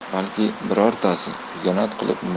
balki birortasi xiyonat qilib